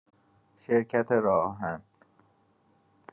شرکت راه‌آهن